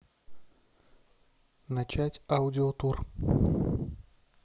начать аудио тур